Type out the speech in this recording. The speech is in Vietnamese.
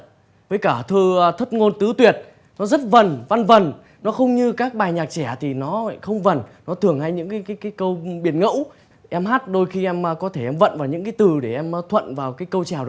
với cả thơ thất ngôn tứ tuyệt nó rất vần văn vần nó không như các bài nhạc trẻ thì nó không vần nó thường hay những kí kí câu biển ngẫu em hát đôi khi em có thể vận vào những cái từ để em thuận vào cái câu chèo